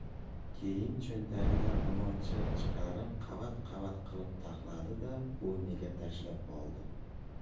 keyin cho'ntagidan ro'molcha chiqarib qavat qavat qilib taxladi da bo'yniga tashlab oldi